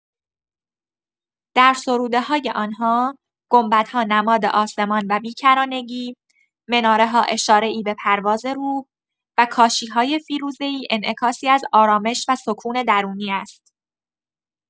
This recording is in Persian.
در سروده‌های آن‌ها، گنبدها نماد آسمان و بی‌کرانگی، مناره‌ها اشاره‌ای به پرواز روح، و کاشی‌های فیروزه‌ای انعکاسی از آرامش و سکون درونی است.